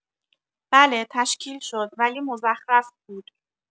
بله تشکیل شد ولی مزخرف بود